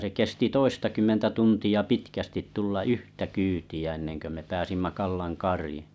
se kesti toistakymmentä tuntia pitkästi tulla yhtä kyytiä ennen kuin me pääsimme Kallan kariin